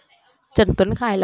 trần tuấn khải